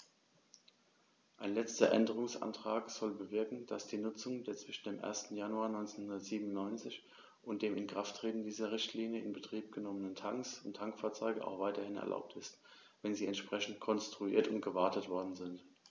Ein letzter Änderungsantrag soll bewirken, dass die Nutzung der zwischen dem 1. Januar 1997 und dem Inkrafttreten dieser Richtlinie in Betrieb genommenen Tanks und Tankfahrzeuge auch weiterhin erlaubt ist, wenn sie entsprechend konstruiert und gewartet worden sind.